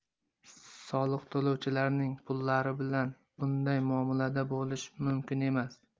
soliq to'lovchilarning pullari bilan bunday muomalada bo'lish mumkin emas